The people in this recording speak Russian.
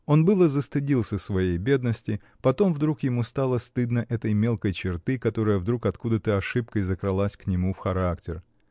Он было застыдился своей бедности, потом вдруг ему стало стыдно этой мелкой черты, которая вдруг откуда-то ошибкой закралась к нему в характер.